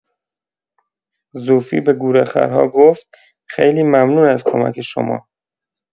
زوفی به گورخرها گفت: خیلی ممنون از کمک شما.